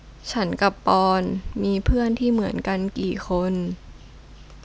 ฉันกับปอนด์มีเพื่อนที่เหมือนกันกี่คน